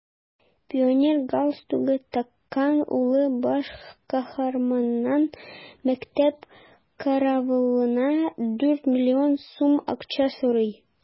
Пионер галстугы таккан улы баш каһарманнан мәктәп каравылына дүрт миллион сум акча сорый.